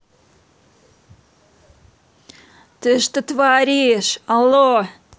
ты что творишь алло